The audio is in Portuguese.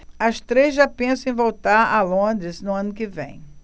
as três já pensam em voltar a londres no ano que vem